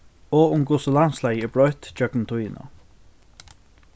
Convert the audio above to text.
og um hvussu landslagið er broytt gjøgnum tíðina